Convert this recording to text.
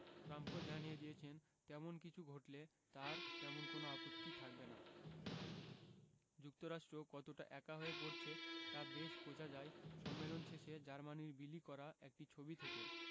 ট্রাম্পও জানিয়ে দিয়েছেন তেমন কিছু ঘটলে তাঁর তেমন কোনো আপত্তি থাকবে না যুক্তরাষ্ট্র কতটা একা হয়ে পড়ছে তা বেশ বোঝা যায় সম্মেলন শেষে জার্মানির বিলি করা একটি ছবি থেকে